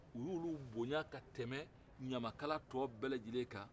u y'olu bonya ka tɛmɛ ɲamakala tɔw bɛɛ lajɛlen kan